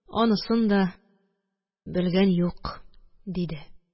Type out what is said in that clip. Анысын да белгән юк», – диде